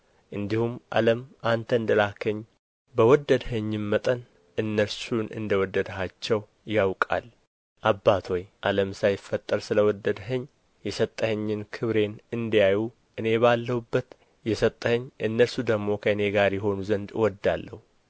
እንዲሁም ዓለም አንተ እንደ ላክኸኝ በወደድኸኝም መጠን እነርሱን እንደ ወደድሃቸው ያውቃል አባት ሆይ ዓለም ሳይፈጠር ስለ ወደድኸኝ የሰጠኸኝን ክብሬን እንዲያዩ እኔ ባለሁበት የሰጠኸኝ እነርሱ ደግሞ ከእኔ ጋር ይሆኑ ዘንድ እወዳለሁ